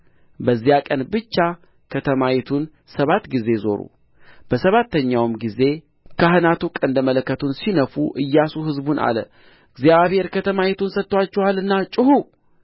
በዚያ ቀን ብቻ ከተማይቱን ሰባት ጊዜ ዞሩ በሰባተኛውም ጊዜ ካህናቱ ቀንደ መለከቱን ሲነፉ ኢያሱ ሕዝቡን አለ እግዚአብሔር ከተማይቱን ሰጥቶአችኋልና ጩኹ